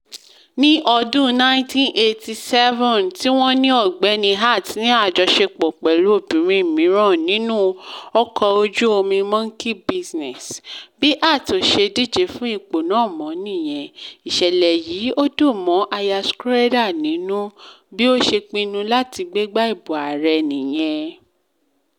Ní ọdún 1987, tí wọ́n ní Ọ̀gbẹ́ni Hart ní àjọṣepọ̀ pẹ̀lú obínrin mìíràn nínú ọkọ ojú-omi Monkey Business, bí Hart ‘ò ṣe díje fún ipò náà mọ́ nìyẹn. Iṣẹ̀lẹ̀ yí ‘ò dùn mọ́ Aya Schroeder nínú. Bí ó ṣe pinnu láti gbégba ìbò ààrẹ nìyẹn.